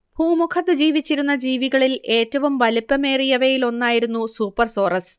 ഭൂമുഖത്ത് ജീവിച്ചിരുന്ന ജീവികളിൽ ഏറ്റവും വലിപ്പമേറിയവയിലൊന്നായിരുന്നു സൂപ്പർസോറസ്